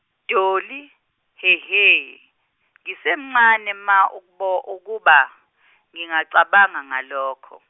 Dolly he he ngisemncane ma ukuba ngingacabanga ngalokho.